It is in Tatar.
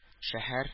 Шәһәр